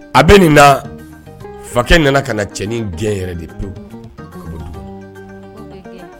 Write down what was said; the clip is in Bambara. A bɛ nin na .,fakɛ nana ka na cɛnin gɛn yɛrɛ de pewu ka bɔ du kɔnɔ. O bɛ gɛn